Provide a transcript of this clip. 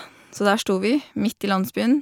Så der sto vi, midt i landsbyen.